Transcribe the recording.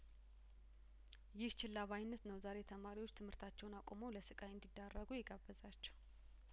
ይህች ላባይነት ነው ዛሬ ተማሪዎች ትምህርታቸውን አቁመው ለስቃይእንዲ ዳረጉ የጋበዛቸው